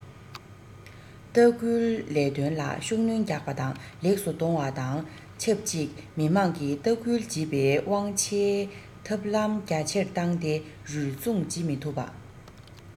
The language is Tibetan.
ལྟ སྐུལ ལས དོན ལ ཤུགས སྣོན རྒྱག པ དང ལེགས སུ གཏོང བ དང ཆབས ཅིག མི དམངས ཀྱིས ལྟ སྐུལ བྱེད པའི དབང ཆའི ཐབས ལམ རྒྱ ཆེར བཏང སྟེ རུལ སུངས བྱེད མི ཐུབ པ